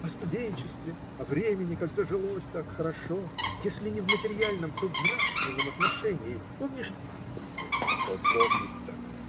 О студенчестве, о времени, когда жилось так хорошо, если не в материальном, то в нравственном отношении. Помнишь. - Что помнить-то?